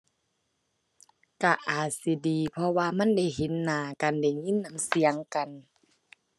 ก็อาจสิดี เพราะว่ามันได้เห็นหน้ากัน ได้ยินน้ำเสียงกัน